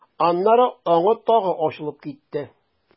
Аннары аңы тагы ачылып китте.